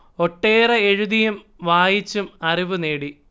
ഒട്ടേറെ എഴുതിയും വായിച്ചും അറിവ് നേടി